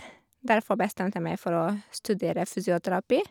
Derfor bestemte jeg meg for å studere fysioterapi.